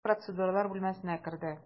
Ул процедуралар бүлмәсенә керде.